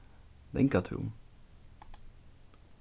langatún